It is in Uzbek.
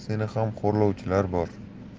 seni ham xo'rlovchilar bor